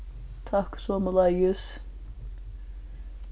takk somuleiðis